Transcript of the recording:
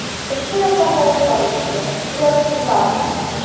Тышкы яктан тавышлар ишетелә: "Оятсызлар!"